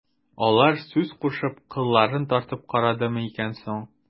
Алдан сүз кушып, кылларын тартып карадымы икән соң...